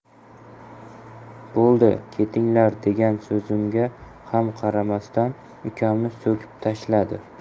bo'ldi ketinglar degan so'zimizga ham qaramasdan ukamni so'kib tashlashdi